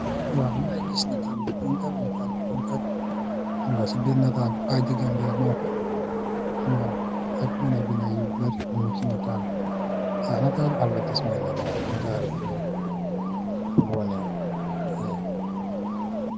Mbaa ngi gis nataal bu pooñgkal, waaw, si biir nataal bi, ajj ji Gambiya muñg fa, ak bindë bindë yu bari muñg fa, waaw nataal lu advatismen la daal. Nataal buy, wane.